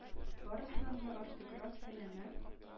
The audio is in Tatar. Барысыннан да артыграк сәләмә